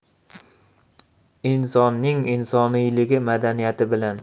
insonning insonligi madaniyati bilan